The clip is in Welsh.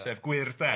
...sef gwyrdd de.